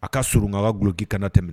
A ka surun a'a gololokii kana tɛmɛminɛ